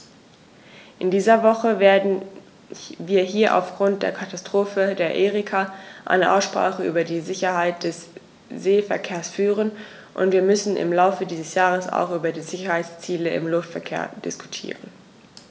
In dieser Woche werden wir hier aufgrund der Katastrophe der Erika eine Aussprache über die Sicherheit des Seeverkehrs führen, und wir müssen im Laufe dieses Jahres auch über die Sicherheitsziele im Luftverkehr diskutieren.